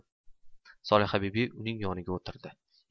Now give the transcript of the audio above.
solihabibi uning yoniga o'tirdi